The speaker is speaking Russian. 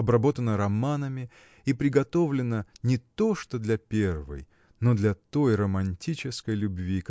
обработано романами и приготовлено не то что для первой но для той романической любви